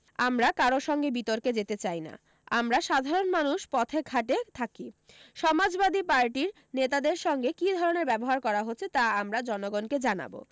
আমরা কারও সঙ্গে বিতর্কে যেতে চাই না আমরা সাধারণ মানুষ পথে ঘাটে থাকি সমাজবাদী পার্টির নেতাদের সঙ্গে কী ধরণের ব্যবহার করা হচ্ছে তা আমরা জনগণকে জানাব